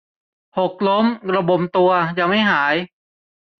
หกล้มระบมตัวยังไม่หาย